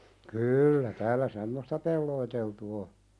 kyllä täällä semmoista peloteltu on